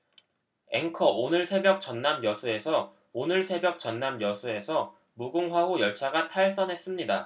앵커 오늘 새벽 전남 여수에서 오늘 새벽 전남 여수에서 무궁화호 열차가 탈선했습니다